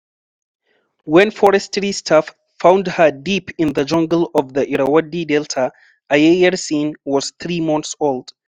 When forestry staff found her deep in the jungle of the Irrawaddy Delta, Ayeyar Sein was three months old.